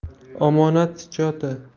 omonat schyoti